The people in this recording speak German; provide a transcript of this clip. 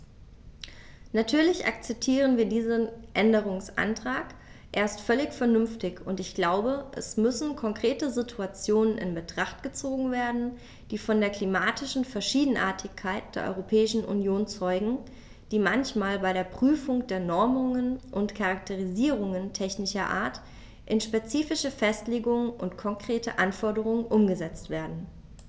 Natürlich akzeptieren wir diesen Änderungsantrag, er ist völlig vernünftig, und ich glaube, es müssen konkrete Situationen in Betracht gezogen werden, die von der klimatischen Verschiedenartigkeit der Europäischen Union zeugen, die manchmal bei der Prüfung der Normungen und Charakterisierungen technischer Art in spezifische Festlegungen und konkrete Anforderungen umgesetzt werden.